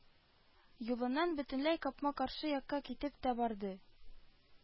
Юлыннан бөтенләй капма-каршы якка китеп тә барды